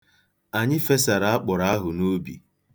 Anyị fesara akpụrụ ahụ n'ubi.